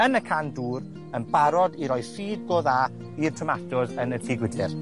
yn y can dŵr, yn barod i roi sydd go dda i'r tomatos yn y tŷ gwydyr.